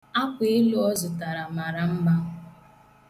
Akwaelu ọ zụtara mara mma.